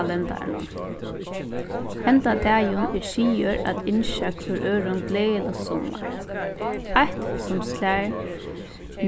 kalendaranum henda dagin er siður at ynskja hvør øðrum gleðiligt summar eitt sum slær